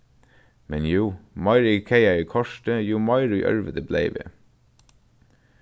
men jú meiri eg kagaði í kortið jú meiri í ørviti bleiv eg